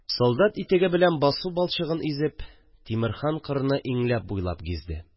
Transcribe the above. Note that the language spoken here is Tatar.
Солдат итеге белән басу балчыгын изеп, Тимерхан кырны иңләп-буйлап гизде